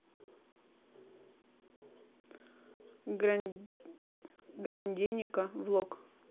гранденико влог